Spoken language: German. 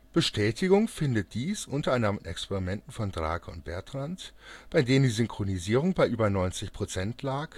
Bestätigung findet dies unter anderem in Experimenten von Drake und Bertrand (2001), bei denen die Synchronisierung bei über 90 % lag